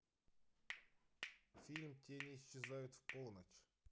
фильм тени исчезают в полночь